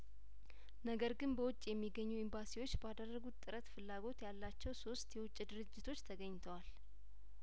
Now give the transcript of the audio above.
ነገር ግን በውጭ የሚገኙ ኤምባሲዎች ባደረጉት ጥረት ፍላጐት ያላቸው ሶስት የውጭ ድርጅቶች ተገኝተዋል